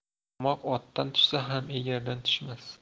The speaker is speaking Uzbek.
ahmoq otdan tushsa ham egardan tushmas